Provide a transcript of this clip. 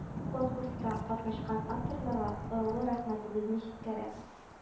Конкурста катнашкан авторларга олы рәхмәтебезне җиткерәбез